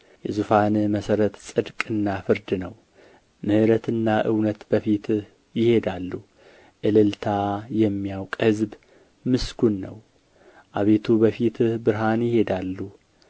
የዙፋንህ መሠረት ጽድቅና ፍርድ ነው ምሕረትና እውነት በፊትህ ይሄዳሉ እልልታ የሚያውቅ ሕዝብ ምስጉን ነው አቤቱ በፊትህ ብርሃን ይሄዳሉ